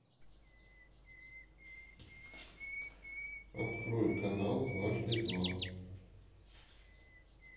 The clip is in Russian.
открой канал дважды два